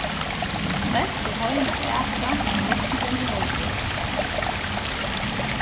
best er heim at aka meðan vognurin er heilur